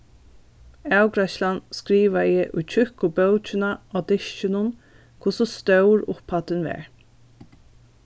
avgreiðslan skrivaði í tjúkku bókina á diskinum hvussu stór upphæddin var